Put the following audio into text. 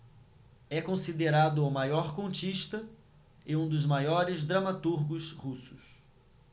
é considerado o maior contista e um dos maiores dramaturgos russos